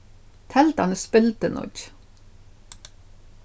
teldan er spildurnýggj